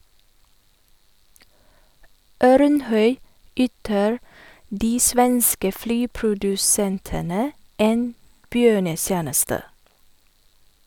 Ørnhøi yter de svenske flyprodusentene en bjørnetjeneste.